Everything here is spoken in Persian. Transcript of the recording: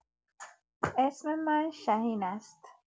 اسم من شهین است.